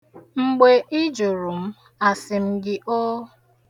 Mgbe ị jụrụ m, asị m gị "oo"?